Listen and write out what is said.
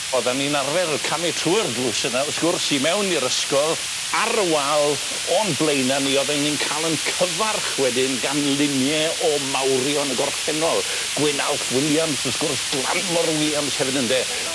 Oddan ni'n arfer camu trwy'r drws yna wrs gwrs i mewn i'r ysgol ar y wal o'n blaena' ni oddan ni'n ca'l 'yn cyfarch wedyn gan lunie o mawrion y gorffennol Gwynalf Williams wrth gwrs Glanmor Williams hefyd ynde?